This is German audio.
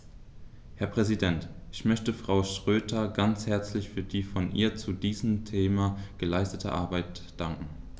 Herr Präsident, ich möchte Frau Schroedter ganz herzlich für die von ihr zu diesem Thema geleistete Arbeit danken.